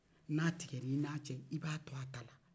n'a tigɛr'i n'a cɛ i b'a to a ta la